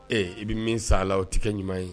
Ee i bɛ min saa la o tɛ kɛ ɲuman ye